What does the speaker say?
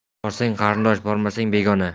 borsang qarindosh bormasang begona